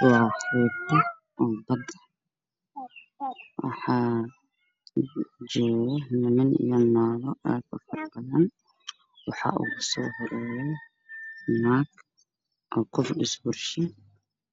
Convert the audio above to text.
Meeshan oo meel ay joogaan dad farabadan halkan waxaa fadhiyo naag ku fadhido kursi